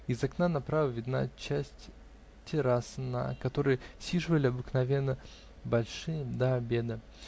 Из окна направо видна часть террасы, на которой сиживали обыкновенно большие до обеда.